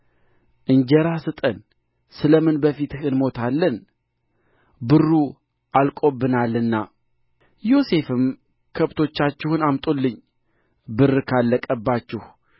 እንጀራ ስጠን ስለ ምን በፊትህ እንሞታለን ብሩ አልቆብናልና ዮሴፍም ከብቶቻችሁን አምጡልኝ ብር ካለቀባችሁ